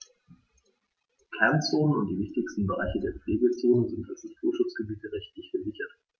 Kernzonen und die wichtigsten Bereiche der Pflegezone sind als Naturschutzgebiete rechtlich gesichert.